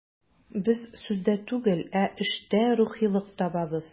Без сүздә түгел, ә эштә рухилык табабыз.